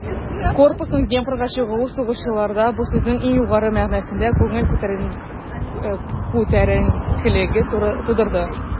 Корпусның Днепрга чыгуы сугышчыларда бу сүзнең иң югары мәгънәсендә күңел күтәренкелеге тудырды.